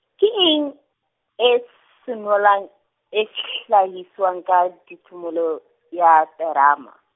ke eng, e s- senolwang, e hlahiswang ke tshimoloho ya terama.